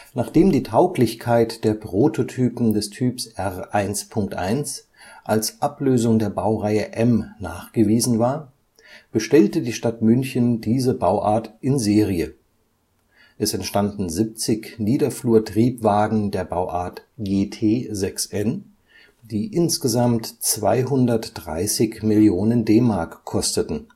Nachdem die Tauglichkeit der Prototypen des Typs R 1.1 als Ablösung der Baureihe M nachgewiesen war, bestellte die Stadt München diese Bauart in Serie. Es entstanden siebzig Niederflurtriebwagen der Bauart GT6N, die insgesamt 230 Millionen D-Mark kosteten